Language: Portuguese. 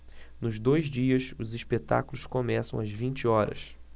nos dois dias os espetáculos começam às vinte horas